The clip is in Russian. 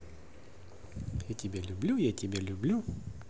я тебя люблю я тебя люблю